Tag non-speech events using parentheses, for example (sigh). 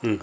(hesitation)